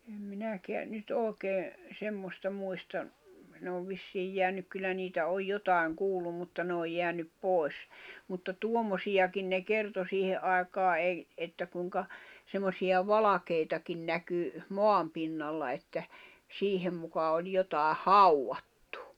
en minäkään nyt oikein semmoista muista ne on vissiin jäänyt kyllä niitä on jotakin kuullut mutta ne on jäänyt pois mutta tuommoisiakin ne kertoi siihen aikaa ei että kuinka semmoisia valkeitakin näkyi maan pinnalla että siihen muka oli jotakin haudattu